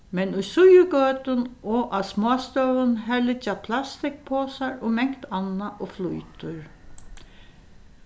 men í síðugøtum og á smástøðum har liggja plastikkposar og mangt annað og flýtur